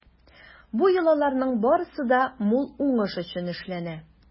Бу йолаларның барысы да мул уңыш өчен эшләнә.